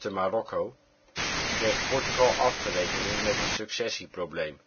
Marokko), kreeg Portugal af te rekenen met een successieprobleem